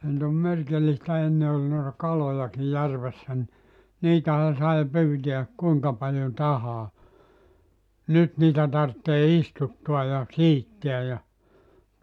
se nyt on merkillistä ennen oli noita kalojakin järvessä niin niitähän sai pyytää kuinka paljon tahansa nyt niitä tarvitsee istuttaa ja siittää ja